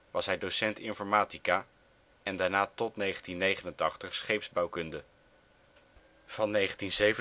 was hij docent informatica en daarna tot 1989 scheepsbouwkunde. Van 1987 tot 1990